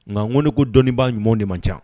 Nka ko ne ko dɔnniibaaa ɲuman de man ca